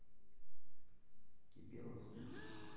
кипелов слушать